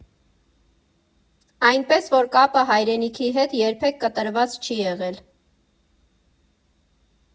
Այնպես որ՝ կապը հայրենիքի հետ երբեք կտրված չի եղել։